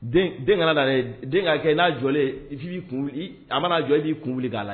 Den den kana nana den ka kɛ n'a jɔlen ii a mana jɔ i b'i kunbili k'a la